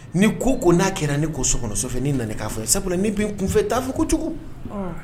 Ni ko ko n'a kɛra ni ko so kɔnɔso fɛ ni nana k'a fɔ sabula ni bɛ n kunfɛ t'a fɔ ko cogo